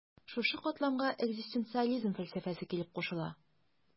Шушы катламга экзистенциализм фәлсәфәсе килеп кушыла.